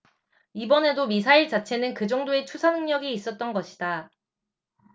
이번에도 미사일 자체는 그 정도의 투사능력이 있었던 것이다